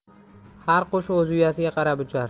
har qush o'z uyasiga qarab uchar